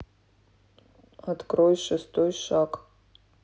открой шестой шаг